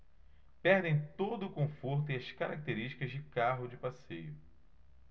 perdem todo o conforto e as características de carro de passeio